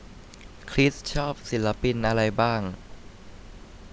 คริสชอบศิลปินอะไรบ้าง